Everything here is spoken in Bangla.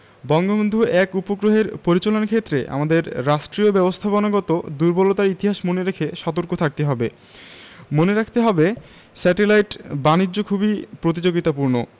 বঙ্গবন্ধু ১ উপগ্রহের পরিচালনার ক্ষেত্রে আমাদের রাষ্ট্রীয় ব্যবস্থাপনাগত দূর্বলতার ইতিহাস মনে রেখে সতর্ক থাকতে হবে মনে রাখতে হবে স্যাটেলাইট বাণিজ্য খুবই প্রতিযোগিতাপূর্ণ